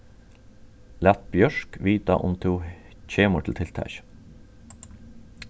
lat bjørk vita um tú kemur til tiltakið